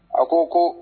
O tɛ ce